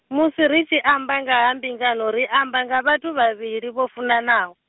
musi ri tshi amba nga ha mbingano ri amba nga vhathu vhavhili vho funanaho.